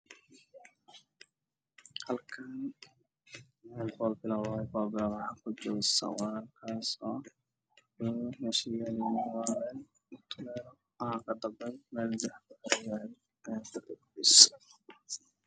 Waa boombalo waxaa ugu jira surwaal cadaan ah